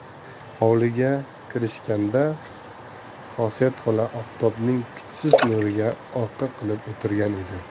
hovliga kirishganda xosiyat xola oftobning kuchsiz nuriga orqa qilib o'tirgan edi